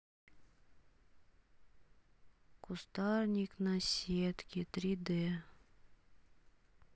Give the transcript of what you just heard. кустарник на сетке три д